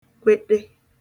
kwete